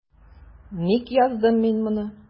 Ник яздым мин моны?